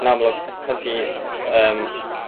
yn amlwc pan ti ymm